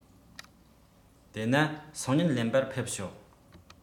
དེ ན སང ཉིན ལེན པར ཕེབས ཤོག